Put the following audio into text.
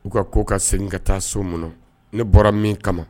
U ka ko ka segin ka taa so min ne bɔra min kama